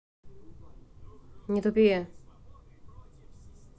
не тупи